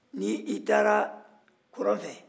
ni i taara kɔrɔn fɛ